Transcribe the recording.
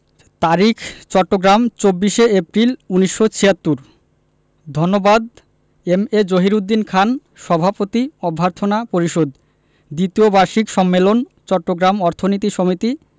তারিখ চট্টগ্রাম ২৪শে এপ্রিল ১৯৭৬ ধন্যবাদ এ এম জহিরুদ্দিন খান সভাপতি অভ্যর্থনা পরিষদ দ্বিতীয় বার্ষিক সম্মেলন চট্টগ্রাম অর্থনীতি সমিতি